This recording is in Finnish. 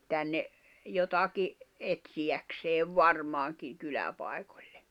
tänne jotakin etsiäkseen varmaankin kyläpaikoille